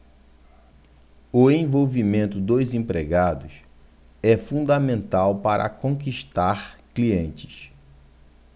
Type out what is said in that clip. o envolvimento dos empregados é fundamental para conquistar clientes